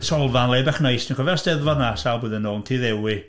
Solva yn le bach neis. Dwi'n cofio 'Steddfod 'na sawl blwyddyn yn ôl yn Tyddewi.